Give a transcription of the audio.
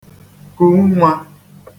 kù nnwā